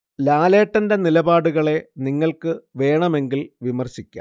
ലാലേട്ടന്ടെ നിലപാടുകളെ നിങ്ങള്‍ക്ക് വേണമെങ്കില്‍ വിമർശിക്കാം